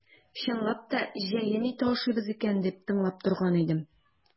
Чынлап та җәен ите ашыйбыз икән дип тыңлап торган идем.